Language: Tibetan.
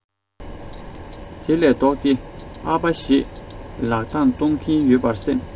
དེ ལས ལྡོག སྟེ ཨ ཕ ཞེས ལག བརྡ གཏོང གི ཡོད པར སེམས